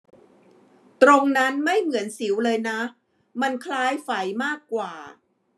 ตรงนั้นไม่เหมือนสิวเลยนะมันคล้ายไฝมากกว่า